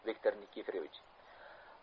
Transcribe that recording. viktor nikiforovich